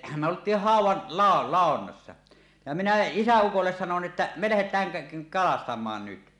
me oltiin haudan - ladonnassa ja minä isäukolle sanoin että me lähdetään - kalastamaan nyt